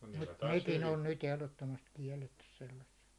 mutta nekin on nyt ehdottomasti kielletty sellaiset